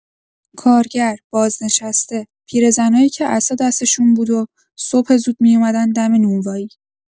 کارگر، بازنشسته، پیرزنایی که عصا دستشون بود و صبح زود می‌اومدن دم نونوایی.